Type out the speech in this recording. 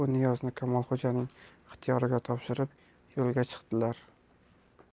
u niyozni kamolxo'janing ixtiyoriga topshirib yo'lga chiqdilar